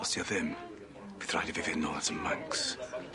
Os 'di o ddim, fydd rhaid i fi fynd nôl at y Mancs.